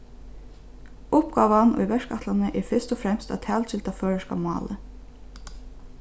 uppgávan í verkætlanini er fyrst og fremst at talgilda føroyska málið